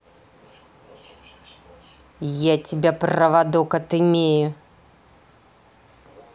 я тебя проводок отымею